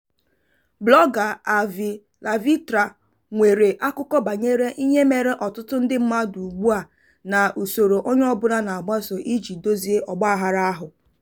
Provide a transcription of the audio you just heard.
Blọọga Avylavitra nwere akụkọ banyere ihe mere ọtụtụ ndị mmadụ ugbua na usoro onye ọbụla na-agbaso iji dozie ọgbaghara ahụ.